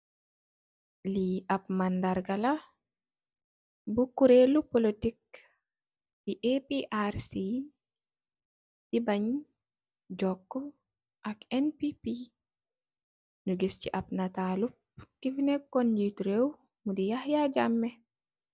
Li ap mandarga la bu koree ri politic bu APRC di bang joko ak NPP nyu giss si ap netalu kofi nekun ngeti reew di Yaya Jammeh.